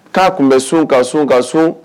K'a tun bɛ sun ka sun ka sun